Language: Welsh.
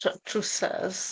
Tr- trowsus?